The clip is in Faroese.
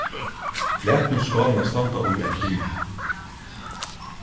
lat nú skálina standa í ein tíma